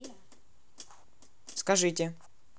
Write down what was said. скажите